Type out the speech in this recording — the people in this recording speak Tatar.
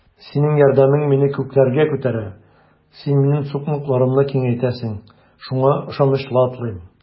Синең ярдәмең мине күкләргә күтәрә, син минем сукмакларымны киңәйтәсең, шуңа ышанычлы атлыйм.